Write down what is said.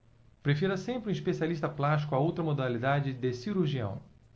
prefira sempre um especialista plástico a outra modalidade de cirurgião